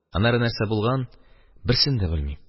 Аннары нәрсә булган – берсен дә белмим.